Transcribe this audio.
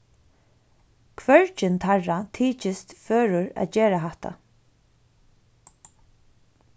hvørgin teirra tykist førur at gera hatta